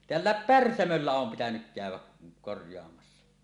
täällä Pärsämöllä on pitänyt käydä korjaamassa